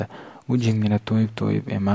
u jimgina to'yib to'yib emar